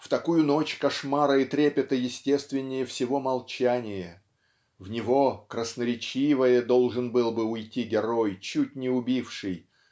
В такую ночь кошмара и трепета естественнее всего молчание в него красноречивое должен был бы уйти герой чуть не убивший